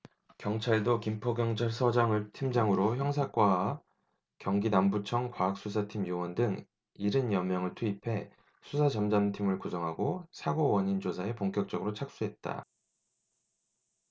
경찰도 김포경찰서장을 팀장으로 형사과와 경기남부청 과학수사팀 요원 등 일흔 여명을 투입해 수사 전담팀을 구성하고 사고 원인 조사에 본격적으로 착수했다